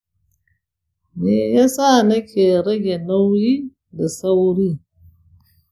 me yasa nake rage nauyi da sauri?